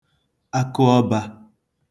akụọbā